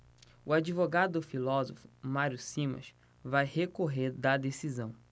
o advogado do filósofo mário simas vai recorrer da decisão